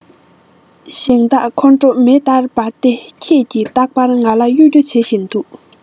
ཞིང བདག ཁོང ཁྲོ མེ ལྟར འབར ཏེ ཁྱེད ཀྱིས རྟག པར ང ལ གཡོ སྒྱུ བྱེད བཞིན འདུག